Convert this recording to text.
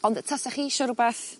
ond tasach chi isio rwbath